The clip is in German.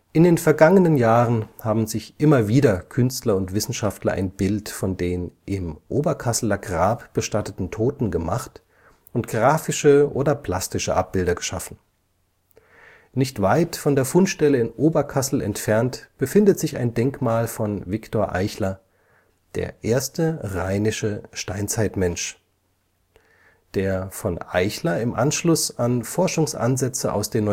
In den vergangenen Jahren haben sich immer wieder Künstler und Wissenschaftler ein Bild von den im Oberkasseler Grab bestatteten Toten gemacht und grafische oder plastische Abbilder geschaffen. Nicht weit von der Fundstelle in Oberkassel entfernt befindet sich ein Denkmal von Viktor Eichler: Der erste rheinische Steinzeitmensch. Der von Eichler im Anschluss an Forschungsansätze aus den